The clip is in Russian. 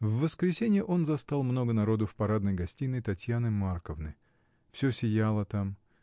В воскресенье он застал много народу в парадной гостиной Татьяны Марковны. Всё сияло там.